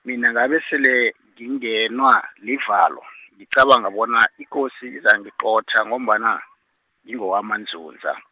mina ngabesele, ngingenwa, livalo, ngicabanga bona, ikosi izangiqotha ngombana, ngingowamaNdzundza.